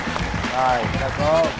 rồi chào cô